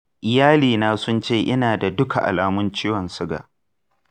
iyalina sun ce ina da duka alamomin ciwon suga.